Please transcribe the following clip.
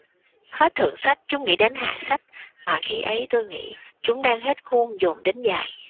hết thượng sách chúng nghĩ đến hạ sách mà khi ấy tôi nghĩ chúng đang hết khôn dồn đến dại